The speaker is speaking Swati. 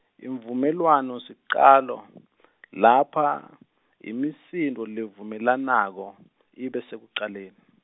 Imvumelwanosicalo lapha imisindvo levumelanako iba sekucaleni.